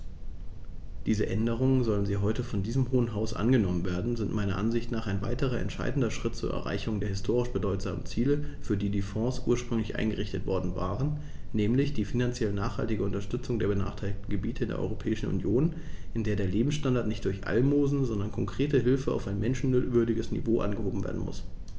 Diese Änderungen, sollten sie heute von diesem Hohen Haus angenommen werden, sind meiner Ansicht nach ein weiterer entscheidender Schritt zur Erreichung der historisch bedeutsamen Ziele, für die die Fonds ursprünglich eingerichtet worden waren, nämlich die finanziell nachhaltige Unterstützung der benachteiligten Gebiete in der Europäischen Union, in der der Lebensstandard nicht durch Almosen, sondern konkrete Hilfe auf ein menschenwürdiges Niveau angehoben werden muss.